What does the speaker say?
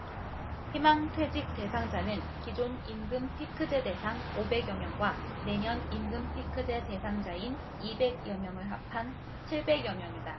희망퇴직 대상자는 기존 임금피크제 대상 오백 여 명과 내년 임금피크제 대상자인 이백 여 명을 합한 칠백 여 명이다